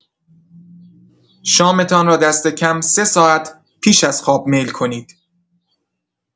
شام‌تان را دست‌کم ۳ ساعت پیش از خواب میل کنید!